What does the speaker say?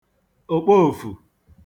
òkpoòfù